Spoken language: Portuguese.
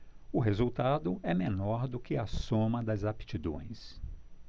o resultado é menor do que a soma das aptidões